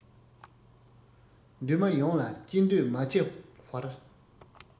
འདུན མ ཡོངས ལ སྐྱིད འདོད མ ཆེ བར